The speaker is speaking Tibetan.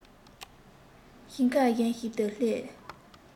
ཞིང ཁ གཞན ཞིག ཏུ སླེབས